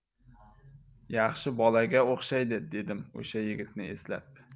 yaxshi bolaga o'xshaydi dedim o'sha yigitni eslab